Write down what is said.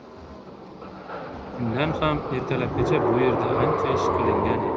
chindan ham ertalabgacha bu yerda ancha ish qilingan edi